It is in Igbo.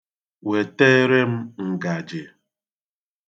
Wetere m ngaji